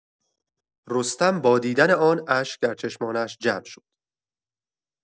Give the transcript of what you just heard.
رستم با دیدن آن اشک در چشمانش جمع شد.